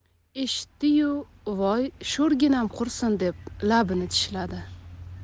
eshitdi yu voy sho'rginam qursin deb labini tishladi